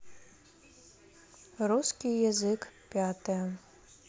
русский язык пятая